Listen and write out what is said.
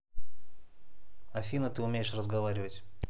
афина ты умеешь разговаривать